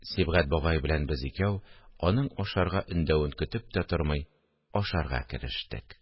Сибгать бабай белән без икәү аның ашарга өндәвен көтеп тә тормый ашарга керештек